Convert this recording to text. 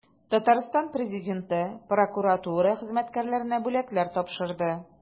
Татарстан Президенты прокуратура хезмәткәрләренә бүләкләр тапшырды.